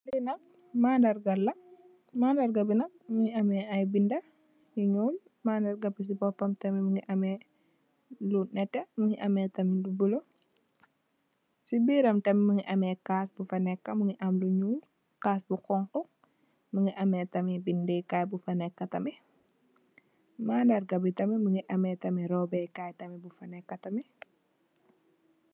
Li nak mandarga la mandarga bi nak mongi ame ay binda yu nuul mandarga bi tamit mongi ame lu netex mongi ame tamit lu bulo si biram tamit mongi ame cass bu fa neka mongi am lu nuul mongi cass bu xonxu mongi ame tamit binday bu fa neka tamit mandarga bi tamit mongi ame tamit robe kai tamit.